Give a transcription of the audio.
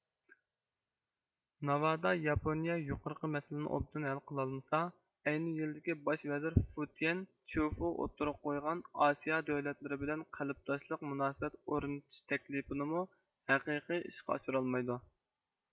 ناۋادا ياپونىيە يۇقىرقى مەسىلىنى ئوبدان ھەل قىلالمىسا ئەينى يىلىدىكى باش ۋەزىر فۇتىيەن چيۇفۇ ئوتتۇرىغا قويغان ئاسىيا دۆلەتلىرى بىلەن قەلبىداشلىق مۇناسىۋەت ئورنىتىش تەكلىپىنىمۇ ھەقىقىي ئىشقا ئاشۇرالمايدۇ